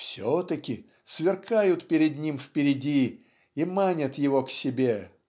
все-таки" сверкают перед ним впереди и манят его к себе